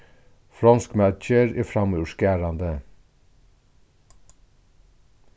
fronsk matgerð er framúrskarandi